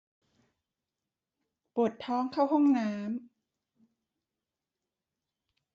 ปวดท้องเข้าห้องน้ำ